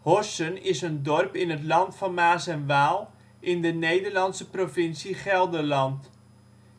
Horssen is een dorp in het Land van Maas en Waal in de Nederlandse provincie Gelderland.